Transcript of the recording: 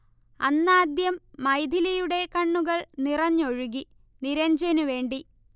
അന്നാദ്യം മൈഥിലിയുടെ കണ്ണുകൾ നിറഞ്ഞൊഴുകി നിരഞ്ജനു വേണ്ടി